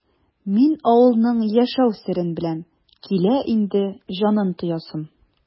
Мин авылның яшәү серен беләм, килә инде җанын тоясым!